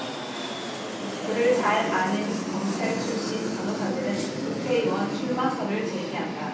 그를 잘 아는 검찰 출신 변호사들은 국회의원 출마설을 제기한다